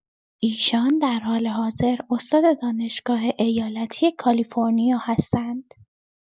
ایشان در حال حاضر استاد دانشگاه ایالتی کالیفرنیا هستند.